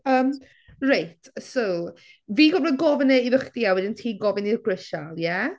Yym reit so fi'n gorfod gofyn e iddo chdi a wedyn ti'n gofyn i'r grisial ie?